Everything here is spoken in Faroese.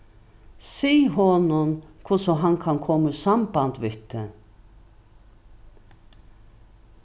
sig honum hvussu hann kann koma í samband við teg